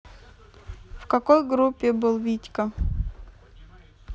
в какой группе был витька